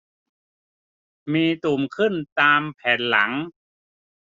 มีตุ่มขึ้นตามแผ่นหลัง